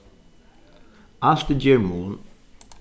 alt ger mun